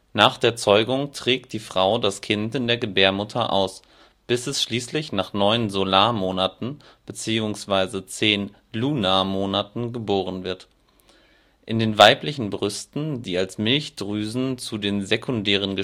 Nach der Zeugung trägt die Frau das Kind in der Gebärmutter aus, bis es schließlich nach 9 Solarmonaten bzw. 10 Lunarmonaten geboren wird. In den weiblichen Brüsten, die als Milchdrüsen zu den sekundären